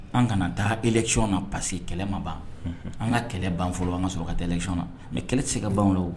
An kana taa ecɔn na parce que kɛlɛ ma ban an ka kɛlɛ ban fɔlɔ anan ka sɔrɔ ka kɛlɛcɔn mɛ kɛlɛ tɛ se ka ban